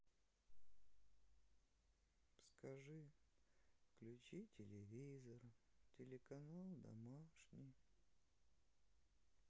скажи включи телеканал домашний